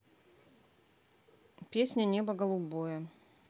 песня небо голубое